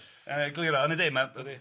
Yy yn egluro, o'n i'n deud ma' yndydi.